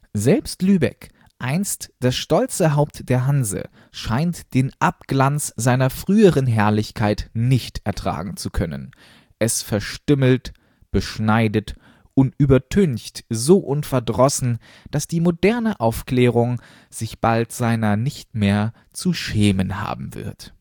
Selbst Lübeck, einst das stolze Haupt der Hanse, scheint den Abglanz seiner früheren Herrlichkeit nicht ertragen zu können. Es verstümmelt, beschneidet und übertüncht so unverdrossen, daß die „ moderne Aufklärung “sich bald seiner nicht mehr zu schämen haben wird